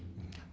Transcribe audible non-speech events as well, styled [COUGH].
[HESITATION] [HESITATION]